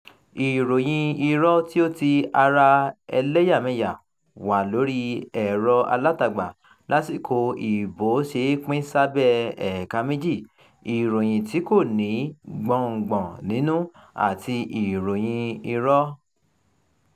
Ìròyìn irọ́ tí ó ti ara ẹlẹ́yàmẹyà wá lórí ẹ̀rọ-alátagbà lásìkò ìbò ṣe é pín sábẹ́ ẹ̀ka méjì: ìròyìn tí kò ní gbọ́ngbọ́n nínú àti ìròyìn irọ́.